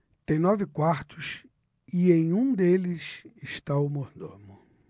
tem nove quartos e em um deles está o mordomo